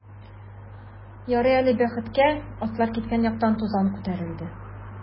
Ярый әле, бәхеткә, атлар киткән яктан тузан күтәрелде.